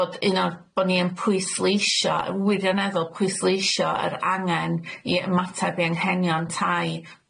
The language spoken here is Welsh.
bod un o'r bo' ni yn pwysleisho yn wirioneddol pwysleisho yr angen i ymateb i anghenion tai